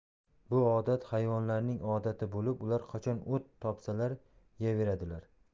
bu odat hayvonlarning odati bo'lib ular qachon o't topsalar yeyaveradilar